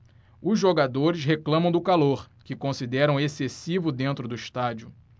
os jogadores reclamam do calor que consideram excessivo dentro do estádio